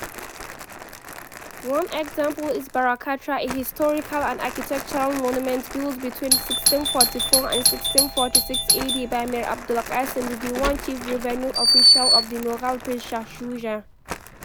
One example is Bara Katra, a historical and architectural monument built between 1644 and 1646 AD by Mir Abul Qasim, the Diwan (chief revenue official) of the Mughal prince Shah Shuja.